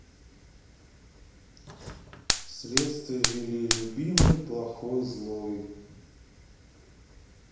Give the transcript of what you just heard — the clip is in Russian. следствие вели любимый плохой злой